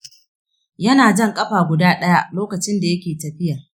yana jan ƙafa guda ɗaya lokacin da yake tafiya.